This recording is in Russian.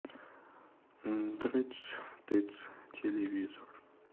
дрыц тыц телевизор